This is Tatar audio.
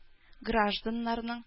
Гражданнарның